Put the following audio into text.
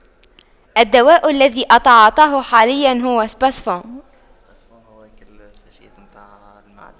الدواء الذي أتعاطاه حاليا هو سباسفون